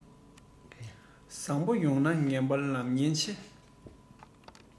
བཟང པོ ཡོངས ལ ངན པ ལབ ཉེན ཆེ